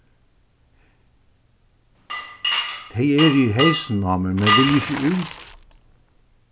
tey eru í heysunum á mær men vilja ikki út